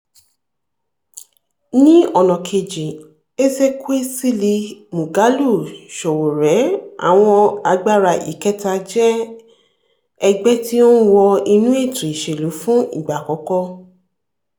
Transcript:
Ní ọ̀nà kejì, Ezekwesili, Moghalu, Sowore, àwọn "agbára ìkẹ́ta", jẹ́ ẹgbẹ́ tí ó ń wọ inú ètò ìṣèlú fún ìgbà àkọ́kọ́.